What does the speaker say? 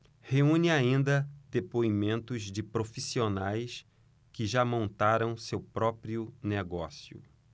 reúne ainda depoimentos de profissionais que já montaram seu próprio negócio